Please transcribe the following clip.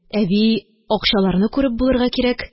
Әби, акчаларны күреп булырга кирәк